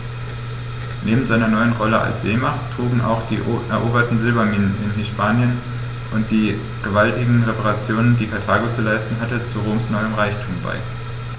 Neben seiner neuen Rolle als Seemacht trugen auch die eroberten Silberminen in Hispanien und die gewaltigen Reparationen, die Karthago zu leisten hatte, zu Roms neuem Reichtum bei.